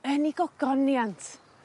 yn i gogoniant.